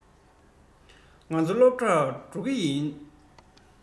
ང ཚོ སློབ གྲྭར འགྲོ གི ཡིན